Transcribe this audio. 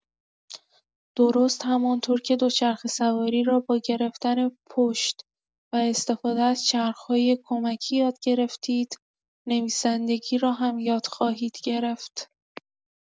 درست همانطور که دوچرخه‌سواری را با گرفتن پشت و استفاده از چرخ‌های کمکی یاد گرفتید، نویسندگی را هم یاد خواهید گرفت.